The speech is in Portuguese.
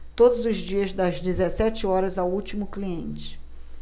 todos os dias das dezessete horas ao último cliente